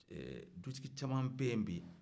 dutigi caman bɛ yen bi